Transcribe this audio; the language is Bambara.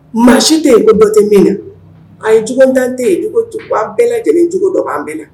Maa si tɛ yen bɛ bato min na a ye jugu dan tɛ bɛɛ lajɛlen cogo dɔ'an bɛɛ la